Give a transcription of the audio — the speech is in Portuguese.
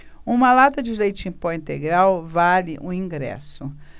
uma lata de leite em pó integral vale um ingresso